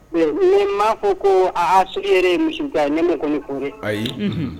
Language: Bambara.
Mais n ma fɔ ko hasidi yɛrɛ ye misi ka ne m'o kɔni fɔ dɛ! Ayi. Unhun